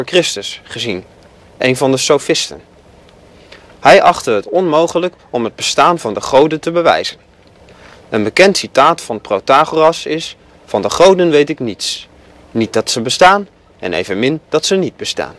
v.Chr.) gezien, één van de sofisten. Hij achtte het onmogelijk om het bestaan van de goden te bewijzen. Een bekend citaat van Protagoras is: Van de goden weet ik niets: niet dat ze bestaan en evenmin dat ze niet bestaan